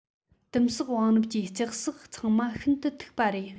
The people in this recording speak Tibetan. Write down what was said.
དིམ བསགས བང རིམ གྱི རྩེག བསགས ཚང མ ཤིན ཏུ མཐུག པ རེད